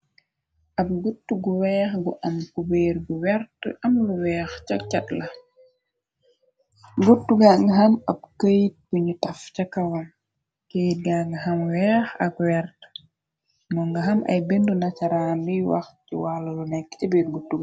Ab gutt gu weex gu am gu ber gu wert am lu weex ca kat la guttu gang xam ab këyit bunu taf ca kawam këyt gang xam weex ak wert no nga xam ay bindi nasaraan biy wax ci wàlla lu nekk ce biir guttugu.